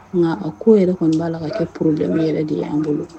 Nka a ko yɛrɛ kɔni b'a la ka kɛ poroden bɛ yɛrɛ de y'an bolo